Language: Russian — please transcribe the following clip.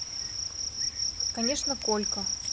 конечно колька